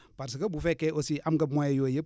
parce que bu fekkee aussi am nga moyens yooyu yëpp